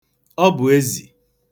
Ọ bụ ezi.